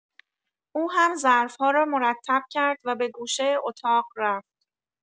او هم ظرف‌ها را مرتب کرد و به گوشه اطاق رفت.